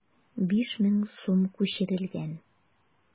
5000 сум күчерелгән.